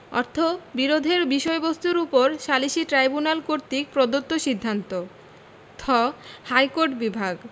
অর্থ বিরোধের বিষয়বস্তুর উপর সালিসী ট্রাইব্যুনাল কর্তৃক প্রদত্ত সিদ্ধান্ত থ ইহাকোর্ট বিভাগ